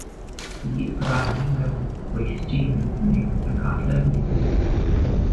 i rannu mewn gweithdy, miwn miwn gynhadledd neu miwn